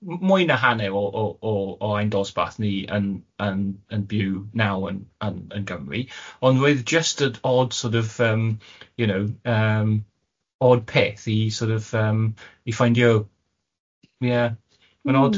m- mwy na hanner o o o o ain dosbarth ni yn yn yn byw naw yn yn yn Gymru, ond roedd jyst yd- odd sort of yym you know yym odd peth i sort of yym i ffaindio, ie, ma'n od.